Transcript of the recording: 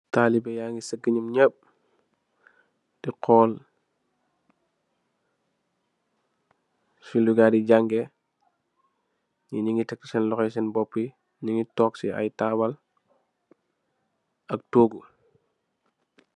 Talibeh ya ngi sëgg ñom ñap di xool, si lu ngayi di jangèè, ñii ngi tèk sèèn loxoyi ci sèèn bopú yi, ñi ngi tóóg ci ay taball ak tóógu.